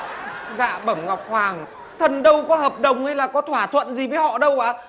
dạ bẩm ngọc hoàng thần đâu có hợp đồng là có thỏa thuận gì với họ đâu ạ